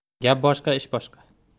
gap boshqa ish boshqa